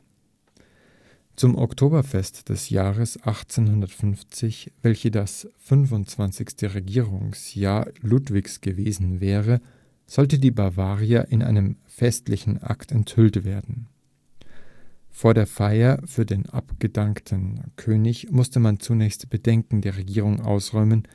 Zum Oktoberfest des Jahres 1850, welches das 25. Regierungsjahr Ludwigs gewesen wäre, sollte die Bavaria in einem festlichen Akt enthüllt werden. Vor der Feier für den abgedankten König musste man zunächst Bedenken der Regierung ausräumen